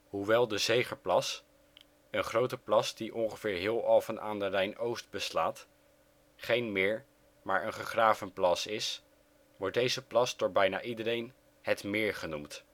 Hoewel de Zegerplas (een grote plas die ongeveer heel Alphen aan den Rijn Oost beslaat), geen meer maar een gegraven plas is, wordt deze plas door bijna iedereen " Het meer " genoemd